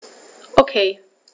Okay.